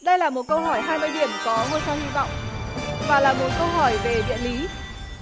đây là một câu hỏi hai điểm có ngôi sao hy vọng và là một câu hỏi về địa lý